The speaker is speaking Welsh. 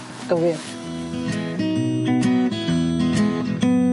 Gywir.